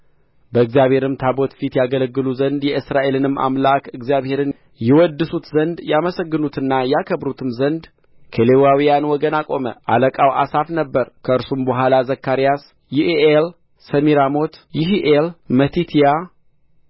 በእግዚአብሔርም ታቦት ፊት ያገለግሉ ዘንድ የእስራኤልንም አምላክ እግዚአብሔርን ይወድሱት ዘንድ ያመሰግኑትና ያከብሩትም ዘንድ ከሌዋውያን ወገን አቆመ አለቃው አሳፍ ነበረ ከእርሱም በኋላ ዘካርያስ ይዒኤል ሰሚራሞት ይሒኤል መቲትያ